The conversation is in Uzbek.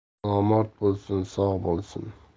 nomard bo'lsin sog' bo'lsin